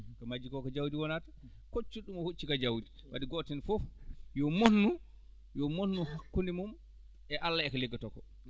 koko majji ko jawdi wonata koccuɗo ɗum o hocci ko jawdi wadde gooto heen fof yo monnu yo monnu hakkunde mum e Allah e ko liggotoo koo